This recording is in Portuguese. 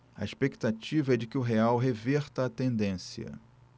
a expectativa é de que o real reverta a tendência